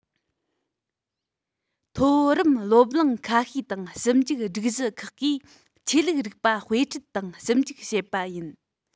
མཐོ རིམ སློབ གླིང ཁ ཤས དང ཞིབ འཇུག སྒྲིག གཞི ཁག གིས ཆོས ལུགས རིག པ དཔེ ཁྲིད དང ཞིབ འཇུག བྱེད པ ཡིན